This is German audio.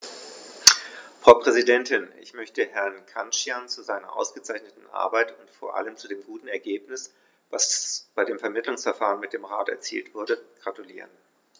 Frau Präsidentin, ich möchte Herrn Cancian zu seiner ausgezeichneten Arbeit und vor allem zu dem guten Ergebnis, das bei dem Vermittlungsverfahren mit dem Rat erzielt wurde, gratulieren.